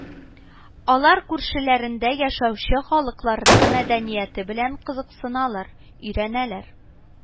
Алар күршеләрендә яшәүче халыкларның мәдәнияте белән кызыксыналар, өйрәнәләр